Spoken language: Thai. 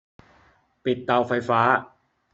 ปิดเตาไฟฟ้า